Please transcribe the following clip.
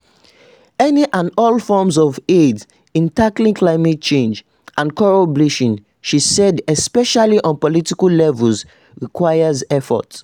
Any and all forms of aid in tackling climate change and coral bleaching, she said, especially on political levels, "requires effort":